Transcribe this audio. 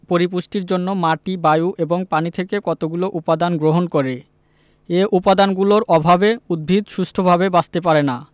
পরিপুষ্টির জন্য মাটি বায়ু এবং পানি থেকে কতগুলো উপদান গ্রহণ করে এ উপাদানগুলোর অভাবে উদ্ভিদ সুষ্ঠুভাবে বাঁচতে পারে না